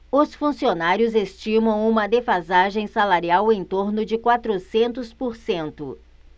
os funcionários estimam uma defasagem salarial em torno de quatrocentos por cento